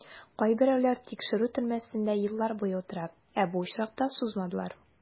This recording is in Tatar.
Кайберәүләр тикшерү төрмәсендә еллар буе утыра, ә бу очракта сузмадылар.